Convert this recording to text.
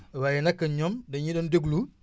waaye nag ñoom dañu doon déglu